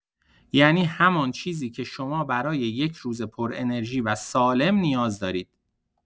یعنی همان چیزی که شما برای یک روز پرانرژی و سالم نیاز دارید!